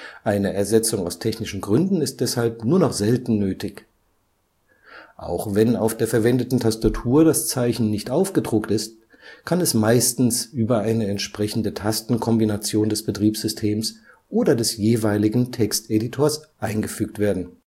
Eine Ersetzung aus technischen Gründen ist deshalb nur noch selten nötig. Auch wenn auf der verwendeten Tastatur das Zeichen nicht aufgedruckt ist, kann es meistens über eine entsprechende Tastenkombination des Betriebssystems oder des jeweiligen Texteditors eingefügt werden